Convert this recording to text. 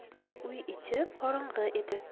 uy ichi qorong'i edi